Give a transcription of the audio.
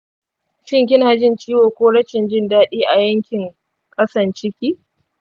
shin kina jin ciwo ko rashin jin daɗi a yankin ƙasan ciki ?